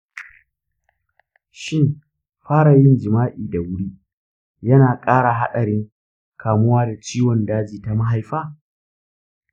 shin fara yin jima’i da wuri yana ƙara haɗarin kamuwa da ciwon daji ta mahaifa?